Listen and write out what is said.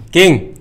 Kelen